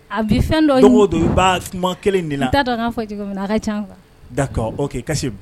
A bi fɛn dɔ doŋo don i b'aa kuma 1 in de la n t'a dɔn ŋ'a fɔ cogominna a ka can quoi d'accord ok Kassim